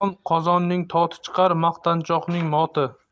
jom qozonning toti chiqar maqtanchoqning moti